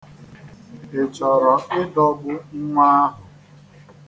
Ị chọrọ ịdọgbu nnwa ahụ?